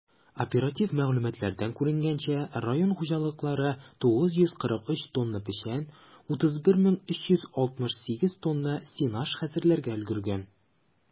Оператив мәгълүматлардан күренгәнчә, район хуҗалыклары 943 тонна печән, 31368 тонна сенаж хәзерләргә өлгергән.